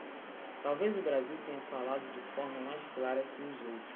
talvez o brasil tenha falado de forma mais clara que os outros